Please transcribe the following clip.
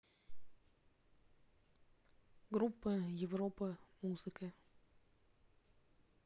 группа европа музыка